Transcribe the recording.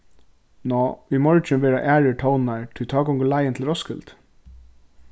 ná í morgin verða aðrir tónar tí tá gongur leiðin til roskilde